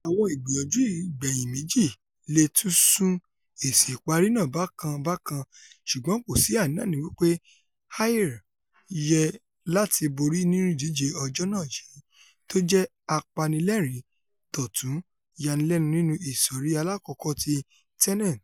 Awọn ìgbìyànjú ìgbẹ̀yìn méjì leè ti sún èsì ìpari náà bákan-bákan, ṣùgbọ́n kòsí àni-àní wí pé Ayr yẹ láti borí nínú ìdíje ọjọ́ náà yìí tójẹ́ apanilẹ́ẹ̀rín tótún yanilẹ́nu nínú Ìṣọ̀rí Aláàkọ́kọ́ ti Tennent.